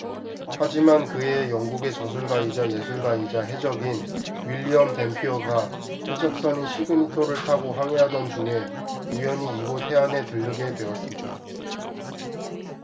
하지만 그 해에 영국의 저술가이자 예술가이자 해적인 윌리엄 댐피어가 해적선인 시그닛 호를 타고 항해하던 도중에 우연히 이곳 해안에 들르게 되었습니다